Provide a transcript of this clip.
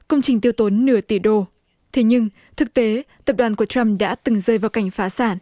công trình tiêu tốn nửa tỷ đô thế nhưng thực tế tập đoàn của trăm đã từng rơi vào cảnh phá sản